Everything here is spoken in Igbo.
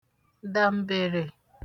dàǹbèrè